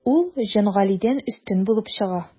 Ул Җангалидән өстен булып чыга.